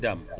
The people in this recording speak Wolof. waaw